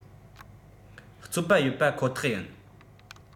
བརྩོད པ ཡོད པ ཁོ ཐག ཡིན